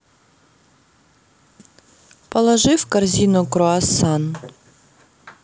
положи в корзину круассан